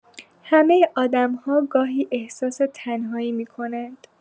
همه آدم‌ها گاهی احساس تنهایی می‌کنند.